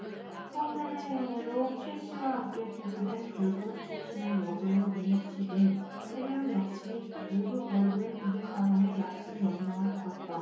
성매매 혐의로 최씨와 함께 기소된 걸그룹 출신의 여배우 이모씨 등 세 명 역시 모두 벌금 이백 만원의 약식명령을 받았다